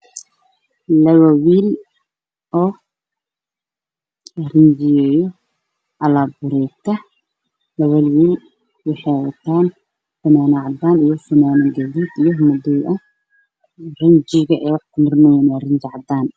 Waa labo wiil OO midabkoodu yahay caddaan madow